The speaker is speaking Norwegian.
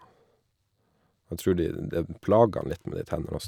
Jeg tror de det plager han litt med de tennene også.